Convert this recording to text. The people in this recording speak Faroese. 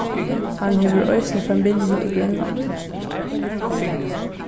hann hevur eisini familju í grønlandi